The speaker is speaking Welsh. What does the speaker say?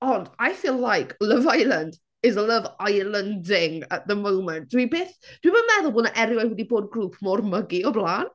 Ond I feel like Love Island is Love Island-ing at the moment. Dwi byth... dwi ddim yn meddwl bod yna erioed wedi bod grŵp mor muggy o'r blaen.